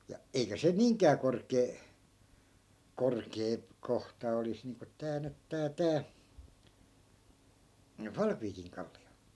ja eikä se niinkään korkea korkea kohta olisi niin kuin tämä nyt tämä tämä Falkviikin kallio